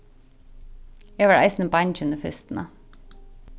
eg var eisini bangin í fyrstuni